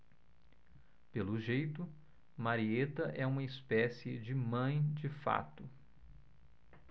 pelo jeito marieta é uma espécie de mãe de fato